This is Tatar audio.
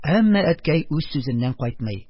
Әмма әткәй үзсүзеннән кайтмый: